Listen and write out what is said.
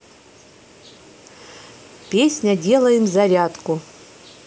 песня делаем зарядку